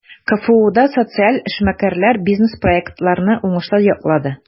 КФУда социаль эшмәкәрләр бизнес-проектларны уңышлы яклады.